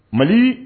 Mali